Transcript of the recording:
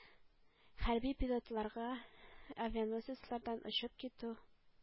Хәрби пилотларга авианосецлардан очып китү-